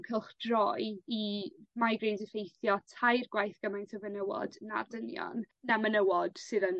cylchdroi i migraines effeithio tair gwaith gymaint o fenywod na'r dynion na menywod sydd yn...